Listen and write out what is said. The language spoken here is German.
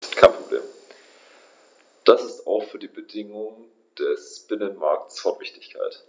Das ist auch für die Bedingungen des Binnenmarktes von Wichtigkeit.